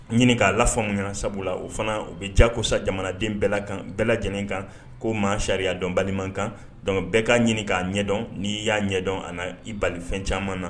Ɲininka k'a la fɔmin sabula o fana u bɛ jago sa jamanaden bɛɛ kan bɛɛ lajɛlen kan ko maa sariya dɔn balima kan bɛɛ ka ɲininka k'a ɲɛdɔn n'i y'a ɲɛdɔn a na i balifɛn caman na